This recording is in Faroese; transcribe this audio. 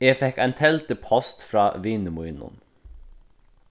eg fekk ein teldupost frá vini mínum